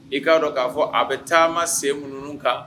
I ka dɔn ka fɔ a bi taama sen munun kan